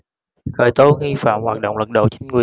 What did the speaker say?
khởi tố nghi phạm hoạt động lật đổ chính quyền